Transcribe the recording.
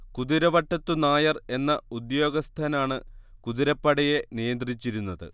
കുതിരവട്ടത്തു നായർ എന്ന ഉദ്യോഗസ്ഥനാണ് കുതിരപ്പടയെ നിയന്ത്രിച്ചിരുന്നത്